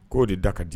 K'o de da ka di.